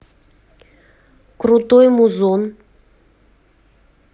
крутой музон